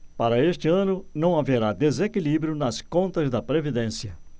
para este ano não haverá desequilíbrio nas contas da previdência